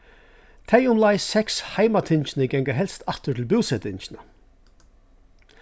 tey umleið seks heimatingini ganga helst aftur til búsetingina